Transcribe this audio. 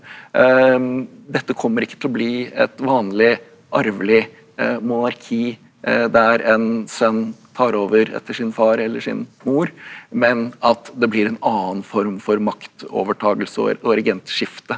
dette kommer ikke til å bli et vanlig arvelig monarki der en sønn tar over etter sin far eller sin mor men at det blir en annen form for maktovertakelse og og regentskifte.